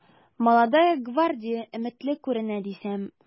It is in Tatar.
“молодая гвардия” өметле күренә дисәм...